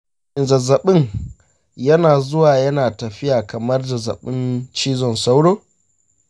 shin zazzabin yana zuwa yana tafiya kamar zazzabin cizon sauro?